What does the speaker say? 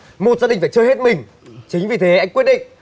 một gia đình phải chơi hết mình chính vì thế anh quyết định